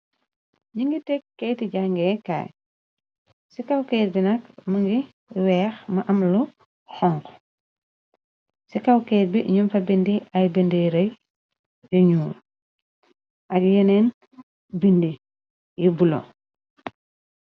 Ni ngi tek keeti jangee kaay ci kaw ket bi nag mu ngi weex mu am lu xonu, ci kawket bi ñuñ fa bindi ay bindi rey yu ñul ak yeneen bindi yi bulo.